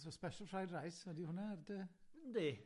So Special Fried Rice, ydi hwnna ar dy... Yndi.